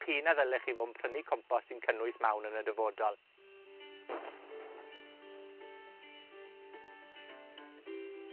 P'un a ddylech chi fo' 'n prynu compos sy'n cynnwys mawn yn y dyfodol.